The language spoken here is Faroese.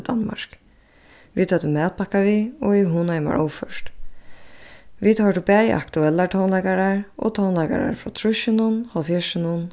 danmark vit høvdu matpakka við og eg hugnaði mær óført vit hoyrdu bæði aktuellar tónleikarar og tónleikarar frá trýssunum hálvfjerðsunum